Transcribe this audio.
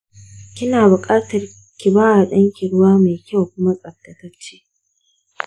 kina bukatar kibawa danki ruwa mai kyau kuma tsaftatacce.